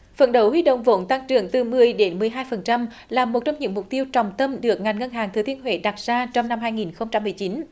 phấn đấu huy động vốn tăng trưởng từ mười đến mười hai phần trăm là một trong những mục tiêu trọng tâm được ngành ngân hàng thừa thiên huế đặt ra trong năm hai nghìn không trăm mười chín